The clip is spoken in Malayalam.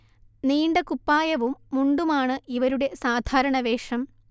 നീണ്ട കുപ്പായവും മുണ്ടുമാണ് ഇവരുടെ സാധാരണ വേഷം